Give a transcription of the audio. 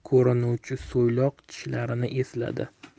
ko'rinuvchi so'ylok tishlarini esladi